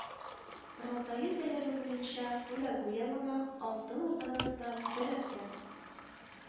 Рылтае таләбе буенча хулагу явына алтын урдадан да бер отряд